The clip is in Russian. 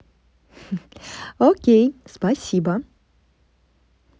окей спасибо